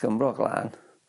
Cymro glan.